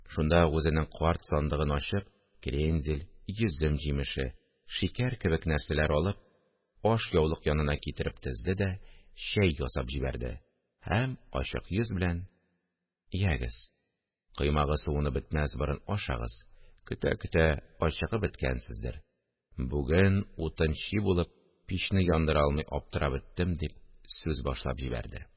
Шунда ук үзенең карт сандыгын ачып, крендель, йөзем җимеше, шикәр кебек нәрсәләр алып, ашъяулык янына китереп тезде дә чәй ясап җибәрде һәм ачык йөз белән: – Ягез, коймагы суынып бетмәс борын ашагыз, көтә-көтә ачыгып беткәнсездер, бүген утын чи булып, пичне яндыра алмый аптырап беттем, – дип, сүз башлап җибәрде